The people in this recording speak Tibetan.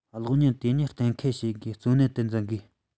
གློག བརྙན དེ གཉིས གཏན འཁེལ བྱེད དགོས གཙོ གནད དུ འཛིན དགོས